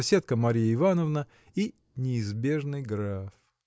соседка Марья Ивановна и неизбежный граф.